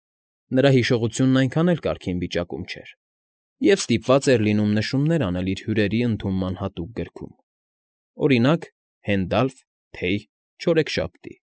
Նրա հիշողությունն այնքան էլ կարգին վիճակում չէր, և ստիպված էր լինում նշումներ անել իր հյուրերի ընդունման հատուկ գրքում, օրինակ՝ «Հենդալֆ, թեյ, չորեքշաբթի»։